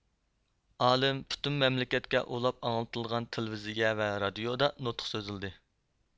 ئالىم پۈتۈن مەملىكەتكە ئۇلاپ ئاڭلىتىلغان تېلېۋىزىيە ۋە رادىئودا نۇتۇق سۆزلىدى